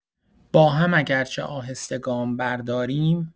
با هم اگرچه آهسته گام برداریم.